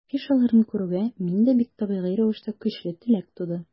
Афишаларын күрүгә, миндә бик табигый рәвештә көчле теләк туды.